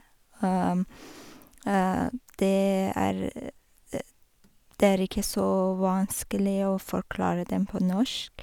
det er Det er ikke så vanskelig å forklare dem på norsk.